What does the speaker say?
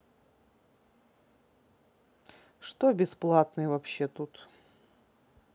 что бесплатное вообще тут